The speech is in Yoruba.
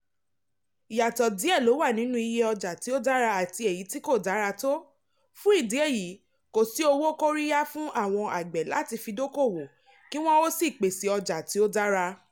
Ìyàtọ̀ díẹ̀ ló wà nínú ìyè ọjà tí ó dára àti èyí tí kò dára tó, fún ìdí eléyìí kò sì owó kóríyá fún àwọn àgbẹ̀ láti fi dókoòwò kí wọn ó sì pèsè ọjà tí ó dára.